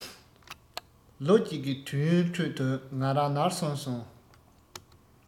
ལོ གཅིག གི དུས ཡུན ཁྲོད དུ ང རང ནར སོན སོང